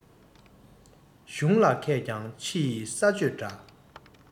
གཞུང ལ མཁས ཀྱང ཕྱི ཡི ས གཅོད འདྲ